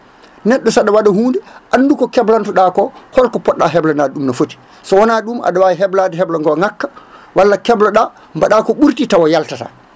neɗɗo saɗa waɗa hunde andu ko keblonto ɗa ko holko poɗɗa heblanade ɗum foti sowona ɗum aɗa wawi heblade heblogo ngakka walla kebloɗa mbaɗa ko ɓuurti tawa yatata